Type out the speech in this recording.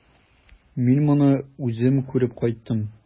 Мин моны үзем күреп кайттым.